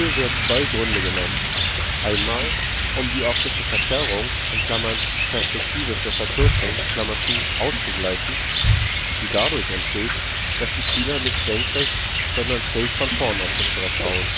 werden zwei Gründe genannt: einmal, um die optische Verzerrung (perspektivische Verkürzung) auszugleichen, die dadurch entsteht, dass die Spieler nicht senkrecht, sondern schräg von vorn auf das Brett schauen